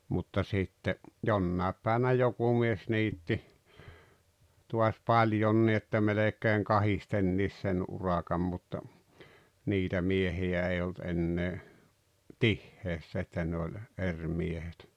mutta sitten jonain päivänä joku mies niitti taas paljonkin että melkein kahdestikin sen urakan mutta niitä miehiä ei ollut enää tiheässä että ne oli eri miehet